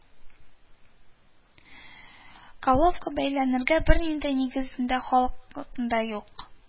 Коловка бәйләнергә бернинди нигезең дә, хакың да юк